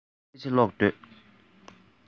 དཔེ ཆ བཀླགས བྱས སྡོད